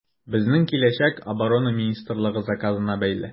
Безнең киләчәк Оборона министрлыгы заказына бәйле.